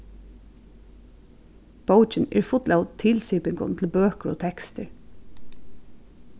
bókin er full av tilsipingum til bøkur og tekstir